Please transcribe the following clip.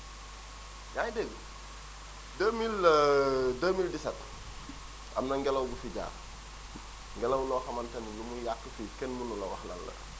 yaa ngi dégg 2000 2017 am na ngelaw bu fi jaar ngelaw loo xamante ni lu mu yàq fii kenn mënu la wax lan la